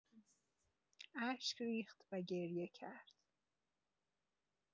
اشک ریخت و گریه کرد.